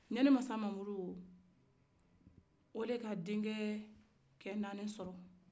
ɲanimasa mamuru o de ka denkɛ cɛ naani sɔrɔ